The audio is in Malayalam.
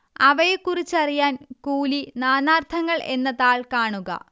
അവയെക്കുറിച്ചറിയാൻ കൂലി നാനാർത്ഥങ്ങൾ എന്ന താൾ കാണുക